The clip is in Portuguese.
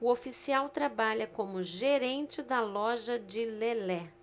o oficial trabalha como gerente da loja de lelé